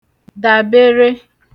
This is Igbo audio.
dabère